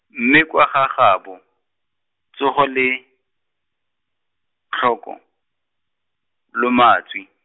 mme kwa ga gaabo, tsogo le, tlhoko, lo matswe.